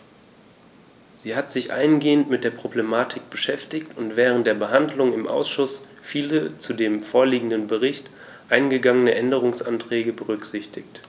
Sie hat sich eingehend mit der Problematik beschäftigt und während der Behandlung im Ausschuss viele zu dem vorliegenden Bericht eingegangene Änderungsanträge berücksichtigt.